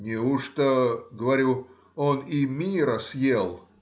— Неужто же,— говорю,— он и миро съел!